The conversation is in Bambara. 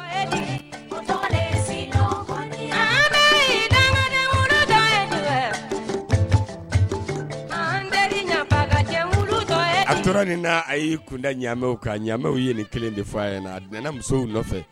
A y'i kunda ɲa ka ɲaw ɲini kelen de fɔ a ye a musow nɔfɛ